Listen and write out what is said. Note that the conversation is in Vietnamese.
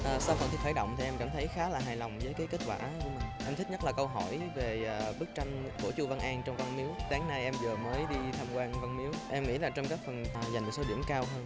sau khi khởi động thì em cảm thấy khá là hài lòng với cái kết quả em thích nhất là câu hỏi về bức tranh của chu văn an trong văn miếu sáng nay em vừa mới đi tham quan văn miếu em nghĩ là trong các phần giành được số điểm cao hơn